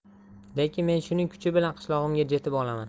lekin men shuning kuchi bilan qishlog'imga jetib olaman